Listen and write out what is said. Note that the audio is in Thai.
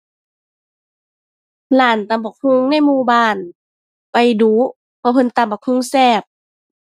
ร้านตำบักหุ่งในหมู่บ้าน ไปดู๋ เพราะเพิ่นตำบักหุ่งแซ่บ